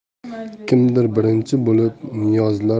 kimdir birinchi bo'lib